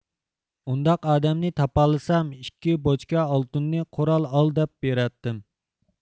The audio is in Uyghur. ئۇنداق ئادەمنى تاپالىسام ئىككى بوچكا ئالتۇننى قورال ئال دەپ بېرەتتىم